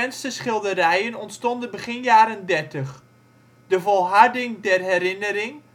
schilderijen ontstonden begin jaren dertig: De volharding der herinnering